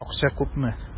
Акча күпме?